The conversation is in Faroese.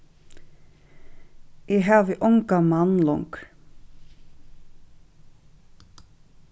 eg havi ongan mann longur